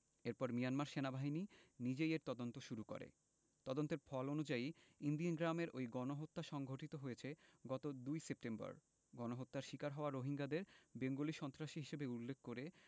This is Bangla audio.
এরপর মিয়ানমার সেনাবাহিনী নিজেই এর তদন্ত শুরু করে তদন্তের ফল অনুযায়ী ইনদিন গ্রামের ওই গণহত্যা সংঘটিত হয়েছে গত ২ সেপ্টেম্বর গণহত্যার শিকার হওয়া রোহিঙ্গাদের বেঙ্গলি সন্ত্রাসী হিসেবে উল্লেখ করে